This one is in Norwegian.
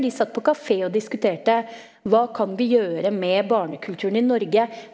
de satt på kafe og diskuterte, hva kan vi gjøre med barnekulturen i Norge?